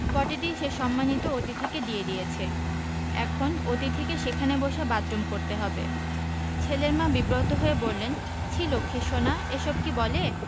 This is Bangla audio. পটিটি সে সম্মানিত অতিথিকে দিয়ে দিয়েছে এখন অতিথিকে সেখানে বসে বাথরুম করতে হবে ছেলের মা বিব্রত হয়ে বললেন ছিঃ লক্ষীসোনা এসব কি বলে